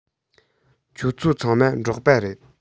ཁྱོད ཚོ ཚང མ འབྲོག པ རེད